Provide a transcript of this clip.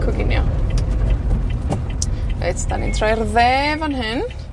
coginio. Reit 'dan ni'n troi i'r dde fan hyn.